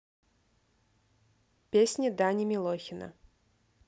песни дани милохина